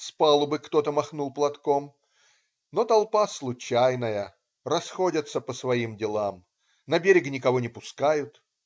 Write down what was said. С палубы кто-то махнул платком. Но толпа - случайная. Расходятся по своим делам. На берег никого не пускают.